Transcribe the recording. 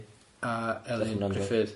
A Elin Griffith.